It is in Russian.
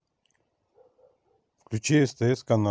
включи стс канал